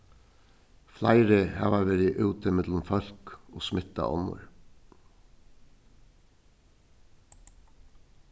fleiri hava verið úti millum fólk og smittað onnur